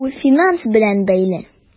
Бу финанс белән бәйле.